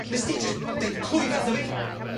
Nes di jyst deud clwydda wtha fi.